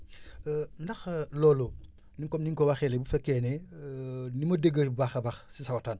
ndax loolu ni comme ni nga ko waxee léegi bu fekkee ne ni ma déggee bu baax a baax si sa waxtaan